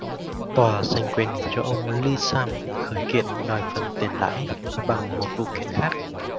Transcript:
tòa dành quyền cho ông ly sam khởi kiện đòi phần tiền lãi bằng một vụ kiện khác